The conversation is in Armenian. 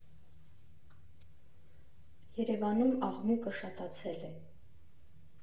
Երևանում աղմուկը շատացել է։